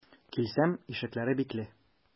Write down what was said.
Килсәм, ишекләре бикле.